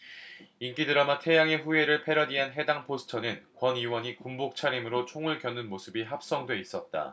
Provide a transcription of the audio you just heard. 인기 드라마 태양의 후예를 패러디한 해당 포스터는 권 의원이 군복 차림으로 총을 겨눈 모습이 합성돼 있었다